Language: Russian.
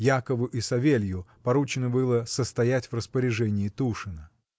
Якову и Савелью поручено было состоять в распоряжении Тушина.